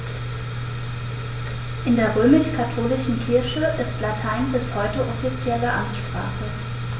In der römisch-katholischen Kirche ist Latein bis heute offizielle Amtssprache.